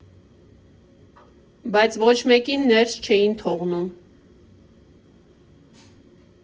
Բայց ոչ մեկին ներս չէին թողնում։